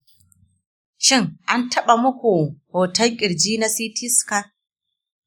shin an taɓa muku hoton ƙirji na ct scan?